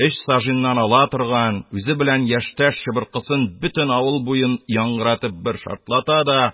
Өч саженьнан ала торган, үзе белән яшьтәш чыбыркысьш бөтен авыл буен яңгыратып бер шартлата да,